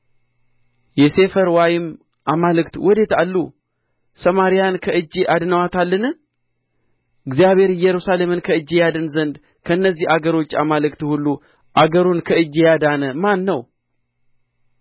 የሴፈርዋይም አማልክት ወዴት አሉ ሰማርያን ከእጄ አድነዋታልን እግዚአብሔር ኢየሩሳሌምን ከእጄ ያድን ዘንድ ከእነዚህ አገሮች አማልክት ሁሉ አገሩን ከእጄ ያዳነ ማን ነው